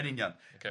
Yn union,